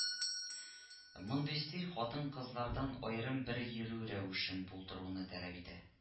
Мондый стиль хатын-кызлардан аерым бер йөрү рәвешен булдыруны таләп итә